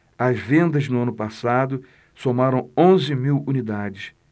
as vendas no ano passado somaram onze mil unidades